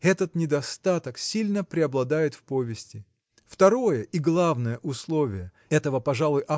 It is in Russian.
Этот недостаток сильно преобладает в повести. Второе и главное условие – этого пожалуй